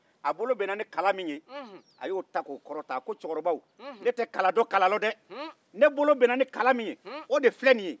a ko cɛkɔrɔbaw ne tɛ kala dɔn kala kala rɔ dɛ ne bolo bɛnna ni kala min ye o filɛ nin ye